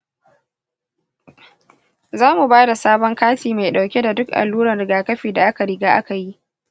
za mu ba da sabon kati mai ɗauke da duk alluran rigakafi da aka riga aka yi.